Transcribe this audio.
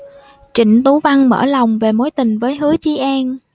trịnh tú văn mở lòng về mối tình với hứa chí an